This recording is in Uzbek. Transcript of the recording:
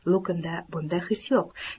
luknda bunday his yo'q